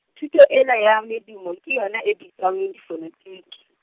thuto ena ya medumo, ke yona e bitswang difonetiki.